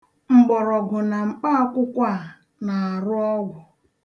Mgbọrọọgwụ na mkpaakwụkwọ a na-arụ ogwụ.